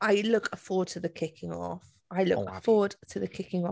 I look forward to the kicking off.... Oh ab- ...I look forward to the kicking off.